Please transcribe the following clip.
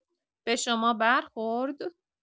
به شما برخورد؟